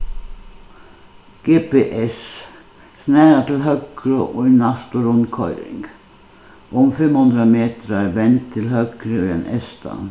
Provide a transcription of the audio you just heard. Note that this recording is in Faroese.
g p s snara til høgru í næstu rundkoyring um fimm hundrað metrar vend til høgru í ein eystan